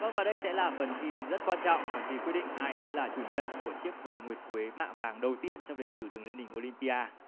vâng và đây sẽ là phần thi rất quan trọng phần thi quyết định ai sẽ là chủ nhân của chiếc vòng nguyệt quế mạ vàng đầu tiên trong lịch sử đường lên đỉnh ô lim pi a